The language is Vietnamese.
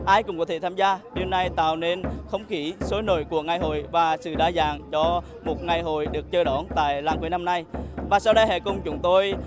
ai cũng có thể tham gia điều này tạo nên không khí sôi nổi của ngày hội và sự đa dạng cho một ngày hội được chờ đón tại làng cuối năm nay và sau đây hãy cùng chúng tôi